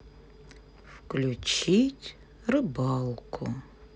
включить рыбалку